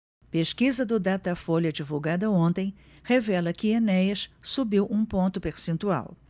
pesquisa do datafolha divulgada ontem revela que enéas subiu um ponto percentual